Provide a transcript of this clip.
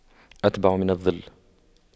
أتبع من الظل